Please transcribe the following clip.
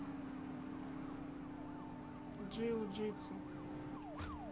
джиу джитсу